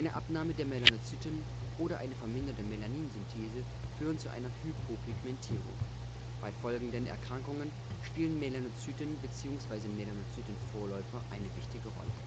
Abnahme der Melanozyten oder eine verminderte Melaninsynthese führen zu einer Hypopigmentierung. Bei folgenden Erkrankungen spielen Melanozyten beziehungsweise Melanozyten-Vorläufer eine wichtige Rolle